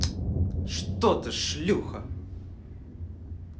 что ты шлюха